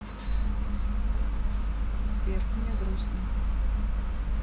сбер мне грустно